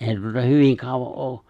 ei tuota hyvin kauan ole